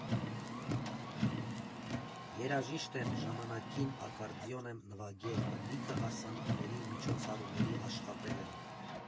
Երաժիշտ եմ, ժամանակին ակարդեոն եմ նվագել, լիքը հարսանիքների, միջոցառումների աշխատել եմ։